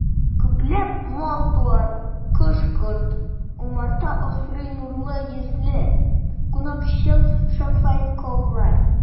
Күпләп мал-туар, кош-корт, умарта асрый нурлы йөзле, кунакчыл шәфыйковлар.